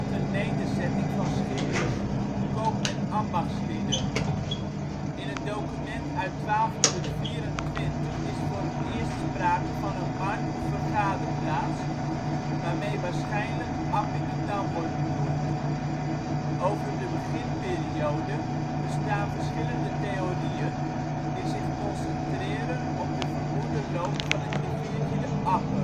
een nederzetting van schippers, koop-en ambachtslieden. In een document uit 1224 is voor het eerst sprake van een markt - of vergaderplaats (Forum), waarmee waarschijnlijk Appingedam wordt bedoeld. Over de beginperiode bestaan verschillende theorieën, die zich concentreren op de vermoede loop van het riviertje de Appe